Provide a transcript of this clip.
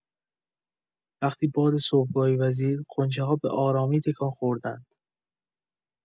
وقتی باد صبحگاهی وزید، غنچه‌ها به‌آرامی تکان خوردند.